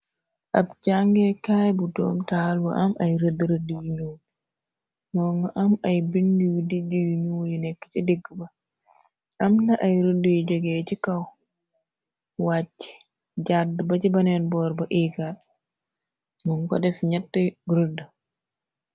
ab jàngee kaay bu doom taal wa am ay rëdd rëdd yu ñuu moo nga am ay bind yu dijd yu ñuu yi nekk ci digg ba am na ay rëdd yu jogee ci kaw wàcc jàdd ba ci beneen boor ba iga mun ko def ñatt rëdd.